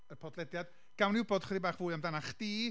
y podlediad, gawn ni wybod ychydig bach fwy amdanach chdi,